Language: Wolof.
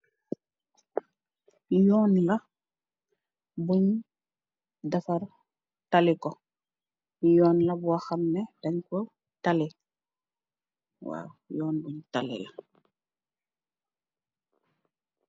Lon buñ defarr tali ko, lon la boo xamneh dañ ko talli.